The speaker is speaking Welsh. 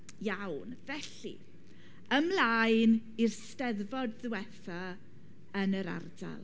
Iawn. Felly, ymlaen i'r Steddfod ddiwethaf yn yr ardal.